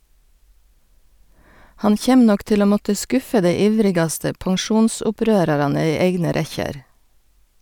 Han kjem nok til å måtte skuffe dei ivrigaste pensjonsopprørarane i eigne rekkjer.